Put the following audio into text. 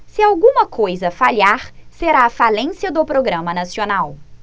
se alguma coisa falhar será a falência do programa nacional